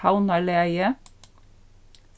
havnarlagið